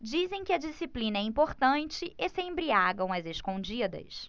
dizem que a disciplina é importante e se embriagam às escondidas